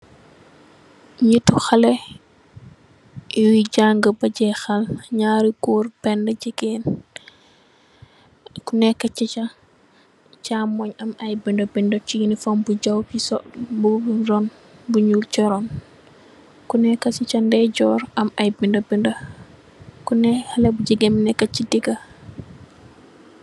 Njehtu haleh yui jangue beh jehal, njaaru gorre, benah gigain, ku neka chi cha chaamongh am aiiy bonah bonah chi uniform bu jaw bii, sow mbubu bu ron bu njull cha ron, kuneka cii sa ndeyjorr am aiiy binda binda ku neh haleh bu gigain bii neka chi digah.